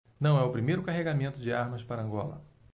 não é o primeiro carregamento de armas para angola